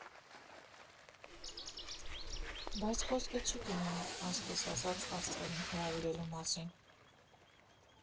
Բայց խոսքը չի գնում, այսպես ասած, «աստղերին» հրավիրելու մասին։